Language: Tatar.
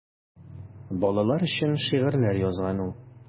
Балалар өчен шигырьләр язган ул.